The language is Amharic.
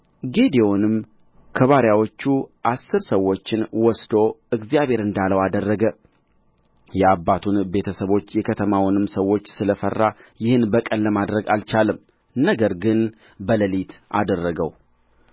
ጌዴዎንም ከባሪያዎቹ አሥር ሰዎችን ወስዶ እግዚአብሔር እንዳለው አደረገ የአባቱን ቤተ ሰቦች የከተማውንም ሰዎች ስለ ፈራ ይህን በቀን ለማድረግ አልቻለም ነገር ግን በሌሊት አደረገው